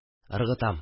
Ыргытам